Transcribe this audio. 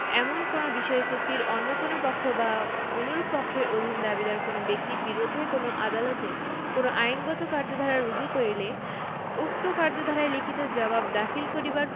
এমন কোন বিষয়ে চুক্তির অন্য কোন পক্ষ বা অনুরূপ পক্ষের অধীন দাবিীদার কোন ব্যক্তির বিরুদ্ধে কোন আদালতে কোন আইনগত কার্যধারা রুজু করিলে উক্ত কার্যধারায় লিখিত জবাব দাখিল করিবার